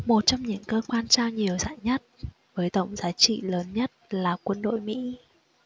một trong những cơ quan trao nhiều giải nhất với tổng giá trị lớn nhất là quân đội mỹ